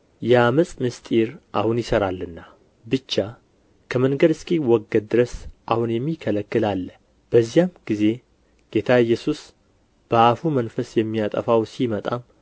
የዓመፅ ምሥጢር አሁን ይሠራልና ብቻ ከመንገድ እስኪወገድ ድረስ አሁን የሚከለክል አለ በዚያም ጊዜ ጌታ ኢየሱስ በአፉ መንፈስ የሚያጠፋው ሲመጣም